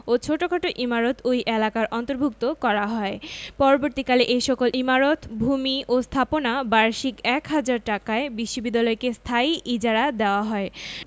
ও ছোটখাট ইমারত ওই এলাকার অন্তর্ভুক্ত করা হয় পরবর্তীকালে এ সকল ইমারত ভূমি ও স্থাপনা বার্ষিক এক হাজার টাকায় বিশ্ববিদ্যালয়কে স্থায়ী ইজারা দেওয়া হয়